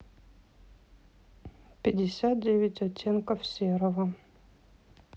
пятьдесят девять оттенков серого